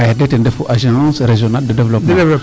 ARD tene refu agent regionale de developpement.